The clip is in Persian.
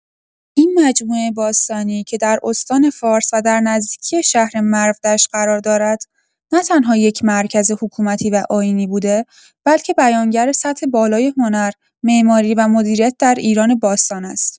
این مجموعه باستانی که در استان فارس و در نزدیکی شهر مرودشت قرار دارد، نه‌تنها یک مرکز حکومتی و آیینی بوده، بلکه بیانگر سطح بالای هنر، معماری و مدیریت در ایران باستان است.